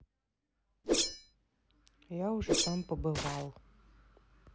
я уже там побывал